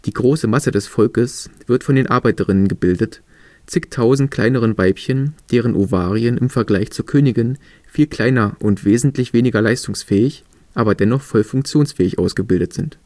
große Masse des Volkes wird von den Arbeiterinnen gebildet, zigtausend kleineren Weibchen, deren Ovarien im Vergleich zur Königin viel kleiner und wesentlich weniger leistungsfähig, aber dennoch voll funktionsfähig ausgebildet sind